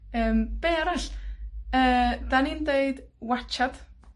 Yym, be' arall? Yy 'dan ni'n deud watshad.